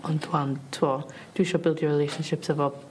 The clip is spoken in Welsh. ond 'wan t'wo' dwi isio bildio relationships efo